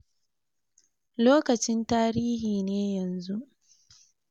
"Lokacin tarihi ne yanzu."